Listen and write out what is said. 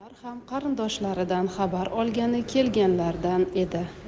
ular ham qarindoshlaridan xabar olgani kelganlardan edi